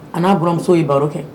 A n'a buranmuso ye baro kɛ.